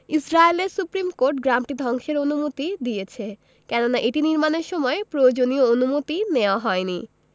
ইসরাইলের supreme court গ্রামটি ধ্বংসের অনুমতি দিয়েছে কেননা এটি নির্মাণের সময় প্রয়োজনীয় অনুমতি নেওয়া হয়নি